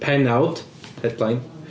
pennawd, headline...